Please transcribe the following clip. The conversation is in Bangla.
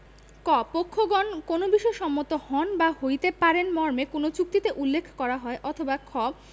ক পক্ষগণ কোন বিষয়ে সম্মত হন বা হইতে পারেন মর্মে কোন চুক্তিতে উল্লেখ করা হয় অথবা খ